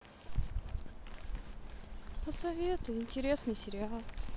посоветуй интересный сериал